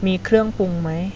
มีเครื่องปรุงไหม